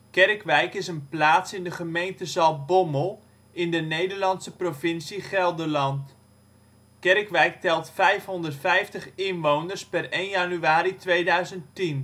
Kerkwijk is een plaats in de gemeente Zaltbommel, in de Nederlandse provincie Gelderland. Kerkwijk telt 550 inwoners (per 1 januari 2010